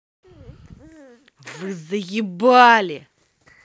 вы заебали